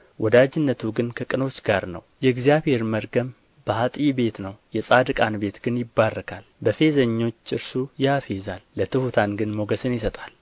ወዳጅነቱ ግን ከቅኖች ጋር ነው የእግዚአብሔር መርገም በኃጥእ ቤት ነው የጻድቃን ቤት ግን ይባረካል በፌዘኞች እርሱ ያፌዛል ለትሑታን ግን ሞገስን ይሰጣል